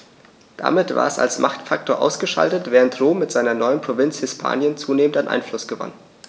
Damit war es als Machtfaktor ausgeschaltet, während Rom mit seiner neuen Provinz Hispanien zunehmend an Einfluss gewann.